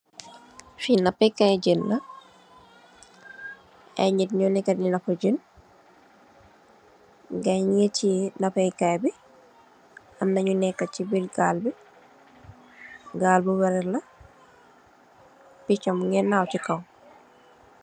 Fi napèkaay jën la, ay nit nyo nekka Di napu jën, guy nu ngè tè napèkaay bi, amna nu nekka chi biir gal bi. Gal bi warèl la. Picha mungè nëw chi kaw.